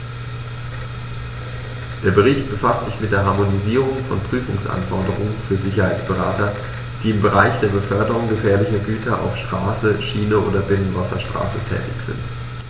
Der Bericht befasst sich mit der Harmonisierung von Prüfungsanforderungen für Sicherheitsberater, die im Bereich der Beförderung gefährlicher Güter auf Straße, Schiene oder Binnenwasserstraße tätig sind.